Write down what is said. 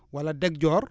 wala deg joor